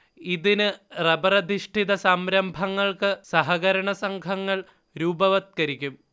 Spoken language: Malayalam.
ഇതിന് റബ്ബറധിഷ്ഠിത സംരംഭങ്ങൾക്ക് സഹകരണ സംഘങ്ങൾ രൂപവത്കരിക്കും